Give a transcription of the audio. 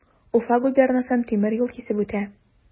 Уфа губернасын тимер юл кисеп үтә.